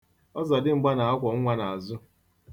Ọzọdimgba na-akwọ nwa n'azụ.